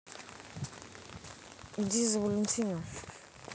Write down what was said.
иди за валентина